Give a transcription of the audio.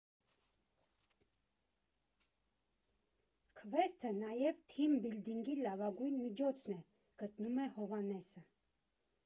Քվեսթը նաև թիմ բիլդինգի լավագույն միջոցն է, ֊ գտնում է Հովհաննեսը։